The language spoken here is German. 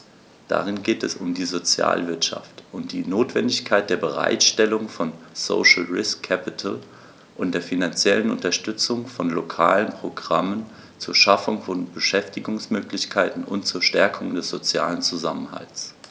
Darin geht es um die Sozialwirtschaft und die Notwendigkeit der Bereitstellung von "social risk capital" und der finanziellen Unterstützung von lokalen Programmen zur Schaffung von Beschäftigungsmöglichkeiten und zur Stärkung des sozialen Zusammenhalts.